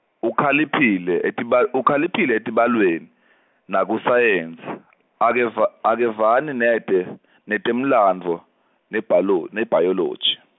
Ukhaliphile, etiba- Ukhaliphile etibalweni, nakusayensi, akeva- akevani nete- netemlandvo nebhalo- nebhayoloji.